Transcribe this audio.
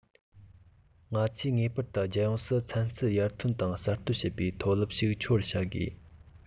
ང ཚོས ངེས པར དུ རྒྱལ ཡོངས སུ ཚན རྩལ ཡར ཐོན དང གསར གཏོད བྱེད པའི མཐོ རླབས ཤིག འཕྱུར བར བྱ དགོས